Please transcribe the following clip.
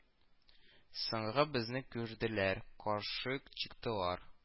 Соңгы безне күрделәр, каршы чыктылар